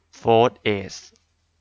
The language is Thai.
โฟธเอซ